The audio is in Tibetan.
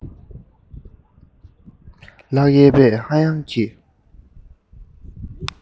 ལག གཡས པས ཧ ཡང གི